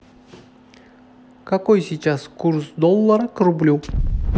какой сейчас курс доллара к рублю